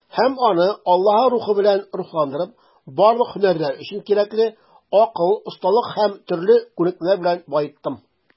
Һәм аны, Аллаһы Рухы белән рухландырып, барлык һөнәрләр өчен кирәкле акыл, осталык һәм төрле күнекмәләр белән баеттым.